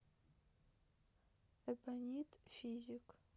эбонит физик